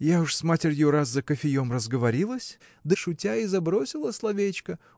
Я уж с матерью раз за кофеем разговорилась да шутя и забросила словечко